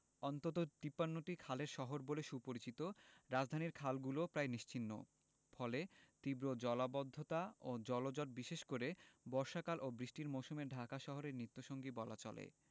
অন্তত ৫৩টি খালের শহর বলে সুপরিচিত রাজধানীর খালগুলোও প্রায় নিশ্চিহ্ন ফলে তীব্র জলাবদ্ধতা ও জলজট বিশেষ করে বর্ষাকাল ও বৃষ্টির মৌসুমে ঢাকা শহরের নিত্যসঙ্গী বলা চলে